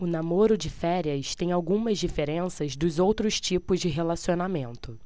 o namoro de férias tem algumas diferenças dos outros tipos de relacionamento